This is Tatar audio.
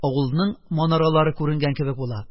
Авылның манаралары күренгән кебек була.